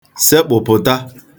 sekpụ̀pụ̀ta